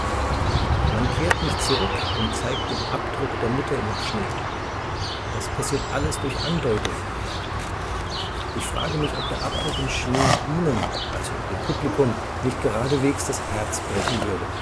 Man kehrt nicht zurück und zeigt den Abdruck der Mutter im Schnee. Das passiert alles durch Andeutungen … Ich frage mich, ob der Abdruck im Schnee ihnen [dem Publikum] nicht geradewegs das Herz brechen würde